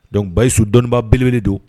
Donc Bayisu dɔnnibaa belebele don